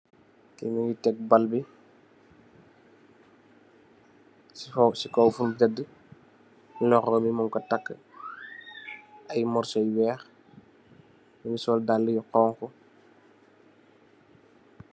Ki mongi tek baal bi si kaw fom teda loxom bi mung ko taka ay murso yu weex mongi sol dala yu xonxu.